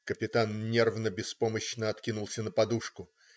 Капитан нервно, беспомощно откинулся на подушку.